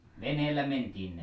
veneellä mentiin ne